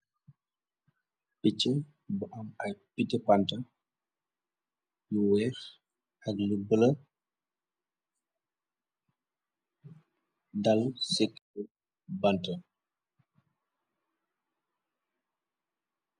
Pichi bu am ay pichi bant yu weeh ak lu bulo dal ci bant.